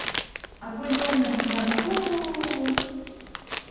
акуленок я туруруру